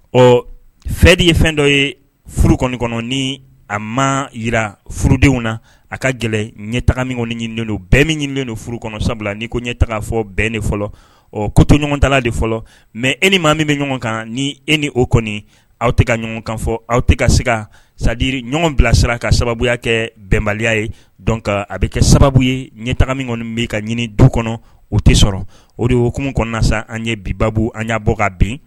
Ɔ fɛ de ye fɛn dɔ ye furu kɔnɔn kɔnɔ ni a ma jirara furudenw na a ka gɛlɛn ɲɛ taga min kɔni don bɛɛ min bɛ don furu kɔnɔ sabula ni ko ɲɛ tagaga fɔ bɛn de fɔlɔ ɔ ko to ɲɔgɔn tala de fɔlɔ mɛ e ni maa min bɛ ɲɔgɔn kan ni e ni o kɔni aw tɛ ka ɲɔgɔn kan fɔ aw tɛ ka se sari ɲɔgɔn bilasira ka sababuya kɛ bɛnbaliya ye dɔn kan a bɛ kɛ sababu ye ɲɛ taga min kɔni bɛ ka ɲini du kɔnɔ o tɛ sɔrɔ o de ye okumu kɔnɔna sisan an ye bibabu an y'a bɔ ka bin